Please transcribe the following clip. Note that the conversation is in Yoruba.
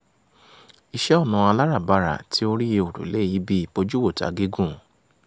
Iṣẹ́ ọnà aláràbarà ti orí òrùlé ibi ìbojúwòta gígùn.